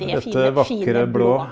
dette vakre blå.